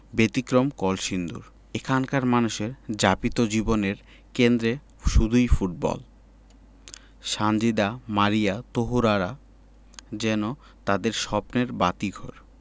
ব্যতিক্রম কলসিন্দুর এখানকার মানুষের যাপিত জীবনের কেন্দ্রে শুধুই ফুটবল সানজিদা মারিয়া তহুরারা যেন তাদের স্বপ্নের বাতিঘর